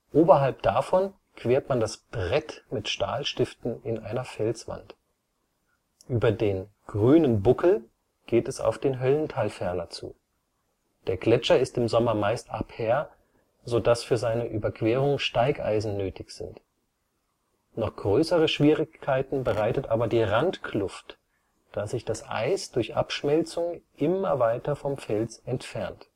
Oberhalb davon quert man das Brett mit Stahlstiften in einer Felswand. Über den Grünen Buckel geht es auf den Höllentalferner zu. Der Gletscher ist im Sommer meist aper, sodass für seine Überquerung Steigeisen nötig sind. Noch größere Schwierigkeiten bereitet aber die Randkluft, da sich das Eis durch Abschmelzung immer weiter vom Fels entfernt